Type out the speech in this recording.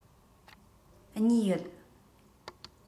གཉིས ཡོད